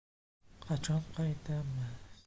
qachon qaytamiz